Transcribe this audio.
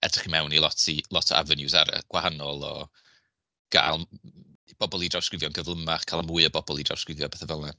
edrych i mewn i lot i... lot o avenues ara- gwahanol o gael bobl i drawsgrifio yn gyflymach cael mwy o bobl i drawsgrifio a pethau fel 'na.